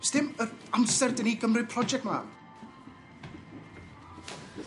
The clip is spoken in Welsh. do's dim yr amser dy' ni gymryd project mlan.